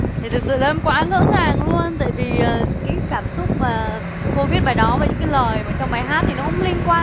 thì thực sự là em quá ngỡ ngàng luôn tại vì ờ cái cảm xúc mà cô viết bài đó và những cái lời mà trong bài hát thì nó không liên quan